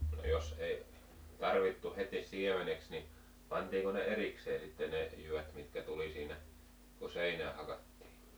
mutta jos ei tarvittu heti siemeneksi niin pantiinko ne erikseen sitten ne jyvät mitkä tuli siinä kun seinään hakattiin